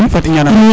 fat i ñana